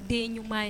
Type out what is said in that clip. Den ɲuman ye